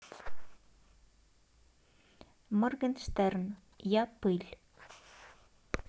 моргенштерн я пыль